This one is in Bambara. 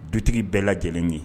Dutigi bɛɛ lajɛlen ye